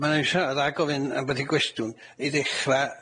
Mae gofyn ambell i gwestiwn i ddechra.